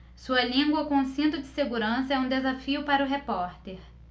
sua língua com cinto de segurança é um desafio para o repórter